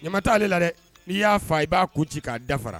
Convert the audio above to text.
Ɲamakala taa ale la dɛ n'i y'a fa i b'a ku ci k'a dafara